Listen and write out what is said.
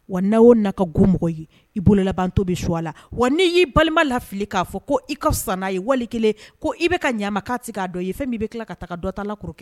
Wa n'a o na ka g mɔgɔ ye i bolo labanbantɔ bɛ su a la wa n'i y'i balima lafili k'a fɔ ko i ka san'a ye wali kelen ko i bɛ ka ɲamakala tɛ k'a dɔn ye fɛn min bɛ tila ka taa dɔ ta la kɔrɔkɛ kɛ